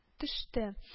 Төште